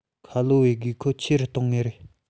ཁོ ལོ བའི དགོས མཁོ ཆེ རུ གཏོང ངེས རེད